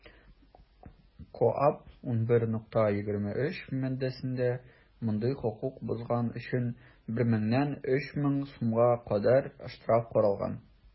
КоАП 11.23 маддәсендә мондый хокук бозган өчен 1 меңнән 3 мең сумга кадәр штраф каралган.